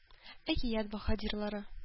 Әкият баһадирлары